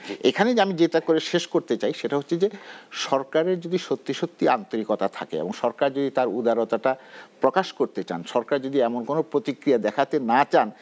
এখানে যে আমি যেটা বলে শেষ করতে চাই যে সরকারের যদি সত্যি সত্যি আন্তরিকতা থাকে এবং সরকার যদি তার উদারতা টা প্রকাশ করতে চান সরকার যদি এমন প্রতিক্রিয়া দেখাতে না চান